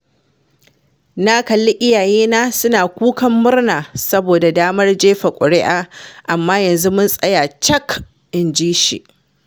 Na kalli iyayena suna kukan murna saboda damar jefa kuri’a amma yanzu mun tsaya cak,” inji shi.